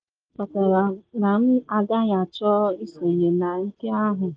Gịnị kpatara na m agaghị achọ isonye na nke ahụ?”